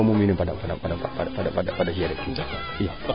wiin we fada fada gerer in teen